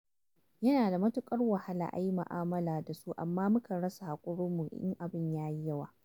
Yana da matuƙar wahala a yi mu'amala da su amma mukan rasa haƙurinmu in abin ya yi yawa.